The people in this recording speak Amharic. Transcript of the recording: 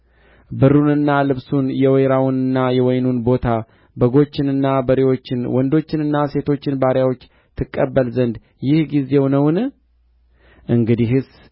ግያዝ ሆይ ከወዴት መጣህ አለው እርሱም እኔ ባሪያህ ወዴትም አልሄድሁም አለ እርሱም ያ ሰው ከሰረገላው ወርዶ ሊቀበልህ በተመለሰ ጊዜ ልቤ ከአንተ ጋር አልሄደምን